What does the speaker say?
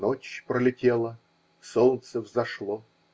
Ночь пролетела, солнце взошло.